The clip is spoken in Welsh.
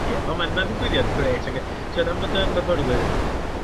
Ie on' ma'n ma'n ddigwyddiad grêt ag yy ti'od am bod yn myfyrwyr